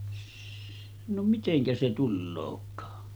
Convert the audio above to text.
- no miten se tuleekaan